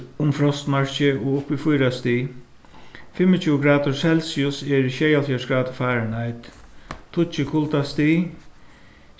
um frostmarkið og upp í fýra stig fimmogtjúgu gradir celsius eru sjeyoghálvfjerðs gradir fahrenheit tíggju kuldastig